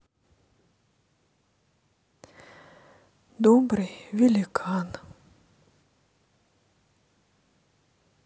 добрый великан